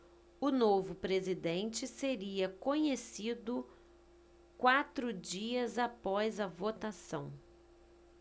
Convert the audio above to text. o novo presidente seria conhecido quatro dias após a votação